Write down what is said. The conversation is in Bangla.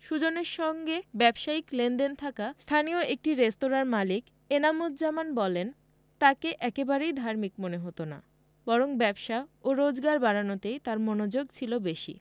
সুজনের সঙ্গে ব্যবসায়িক লেনদেন থাকা স্থানীয় একটি রেস্তোরাঁর মালিক এনাম উজজামান বলেন তাঁকে একেবারেই ধার্মিক মনে হতো না বরং ব্যবসা ও রোজগার বাড়ানোতেই তাঁর মনোযোগ ছিল বেশি